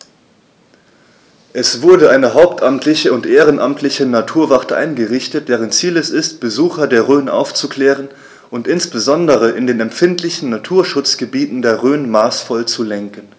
Es wurde eine hauptamtliche und ehrenamtliche Naturwacht eingerichtet, deren Ziel es ist, Besucher der Rhön aufzuklären und insbesondere in den empfindlichen Naturschutzgebieten der Rhön maßvoll zu lenken.